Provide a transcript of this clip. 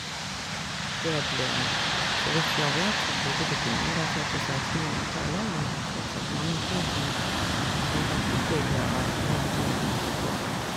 det ble Så vidt jeg vet, så bodde det ikke noen der før på sekstenhundretallet, men det er fortsatt mange ting som som faktisk tilhører den tiden på gården.